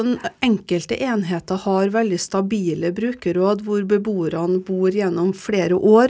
den enkelte enheter har veldig stabile brukerråd hvor beboerne bor gjennom flere år.